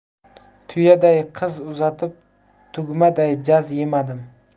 tuyaday qiz uzatib tugmaday jaz yemadim